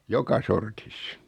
joka sortissa